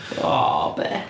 O, be?!